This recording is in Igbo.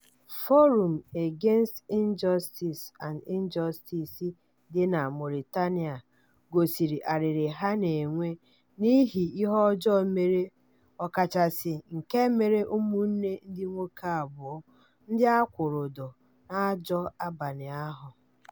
Forum Against Injustice and Injustice dị na Mauritania gosiri arịrị ha na-enwe n'ihi ihe ọjọọ mere ọkachasị nke mere ụmụnne ndị nwoke abụọ ndị a kwụrụ ụdọ n'ajọ abalị ahụ: